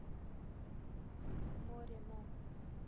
море мо